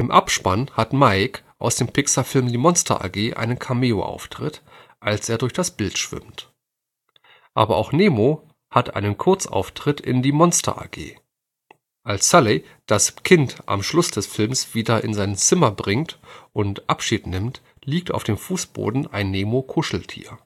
Abspann hat Mike aus dem Pixar-Film Die Monster AG einen Cameo-Auftritt, als er durch das Bild schwimmt. Aber auch Nemo hat einen Kurzauftritt in Die Monster AG. Als Sulley das Kind am Schluss des Filmes wieder in sein Zimmer bringt und Abschied nimmt, liegt auf dem Fußboden ein Nemo-Kuscheltier